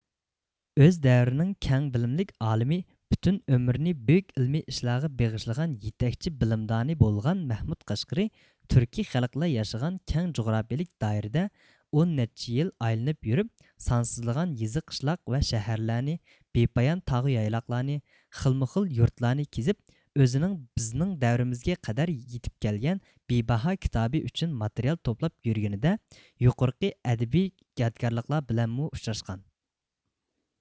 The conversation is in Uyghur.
ئۆز دەۋرىنىڭ كەڭ بىلىملىك ئالىمى پۈتۈن ئۆمرىنى بۈيۈك ئىلمىي ئىشلارغا بېغىشلىغان يېتەكچى بىلىمدانى بولغان مەھمۇد قەشقىرى تۈركىي خەلقلەر ياشىغان كەڭ جۇغراپىيلىك دائىرىدە ئون نەچچە يىل ئايلىنىپ يۈرۈپ سانسىزلىغان يېزا قىشلاق ۋە شەھەرلەرنى بىپايان تاغۇ يايلاقلارنى خىلمۇ خىل يۇرتلارنى كېزىپ ئۆزىنىڭ بىزنىڭ دەۋرىمىزگە قەدەر يېتىپ كەلگەن بىباھا كىتابى ئۈچۈن ماتېرىيال توپلاپ يۈرگىنىدە يۇقىرىقى ئەدەبىي يادىكارلىقلار بىلەنمۇ ئۇچراشقان